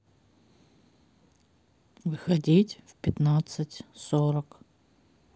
выходить в пятнадцать сорок